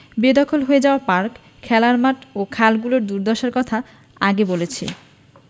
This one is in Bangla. বেদখল হয়ে যাওয়া পার্ক খেলার মাঠ ও খালগুলোর দুর্দশার কথা আগে বলেছি